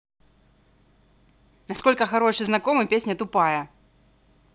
насколько хороший знакомый песня тупая